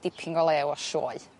dipyn go lew o sioe.